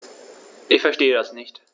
Ich verstehe das nicht.